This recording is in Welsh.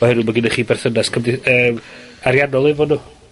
oherwydd bod gyda chi berthynas cymdei- yym ariannol efo nw.